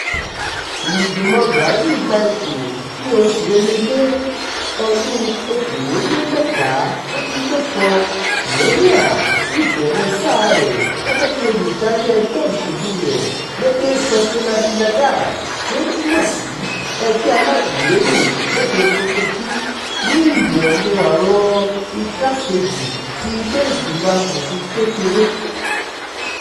Ìgbìmọ̀ Brazil gba ipò ní oṣù Èrèlé 2019, Joênia sì bẹ̀rẹ̀ sáà rẹ̀ gẹ́gẹ́ bí olùdarí ẹgbẹ́ òṣèlú rẹ̀, Rede Sustentabilidade (tí ó túmọ̀ sí Ẹgbẹ́ Alágbèéró lédè Portuguese) ní ìyẹ̀wù àwọn igbá-kejì ti ilé ìgbìmọ̀ aṣòfin kékeré.